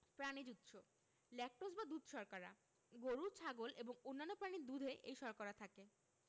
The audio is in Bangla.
প্রানিজ উৎস ল্যাকটোজ বা দুধ শর্করা গরু ছাগল এবং অন্যান্য প্রাণীর দুধে এই শর্করা থাকে